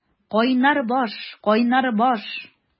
Кайнар баш, кайнар баш!